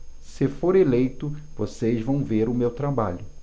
se for eleito vocês vão ver o meu trabalho